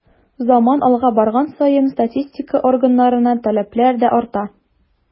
Заман алга барган саен статистика органнарына таләпләр дә арта.